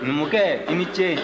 numukɛ i ni ce